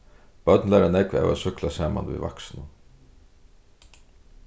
børn læra nógv av at súkkla saman við vaksnum